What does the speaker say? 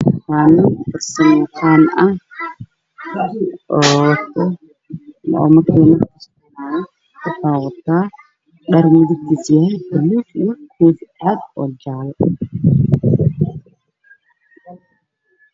Waa nin farsamo yaqaan ah oo makiinad sameynaayo waxuu wataa dhar buluug ah iyo jaale.